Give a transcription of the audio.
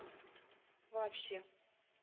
Вообще